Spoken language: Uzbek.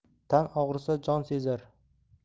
tan og'risa jon sezar